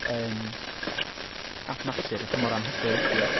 yym at natur a pan mor anhygoel ydy o.